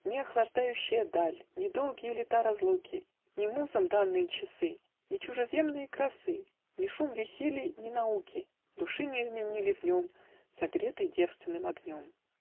Ни охлаждающая даль, Ни долгие лета разлуки, Ни музам данные часы, Ни чужеземные красы, Ни шум веселий, ни науки Души не изменили в нем, Согретой девственным огнем.